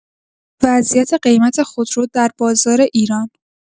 وضعیت قیمت خودرو در بازار ایران